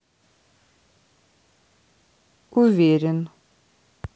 уверен